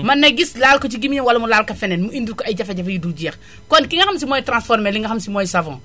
mën na gis laal ko ci gémméñam wala mu laal ko feneen mu indil ko ay jefe-jafe yu dul jeex kon ki nga xam si mooy transformé li nga xam si mooy savon